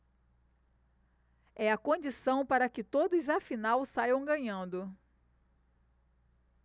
é a condição para que todos afinal saiam ganhando